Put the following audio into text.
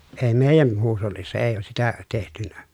ei meidän huushollissa ei ole sitä tehty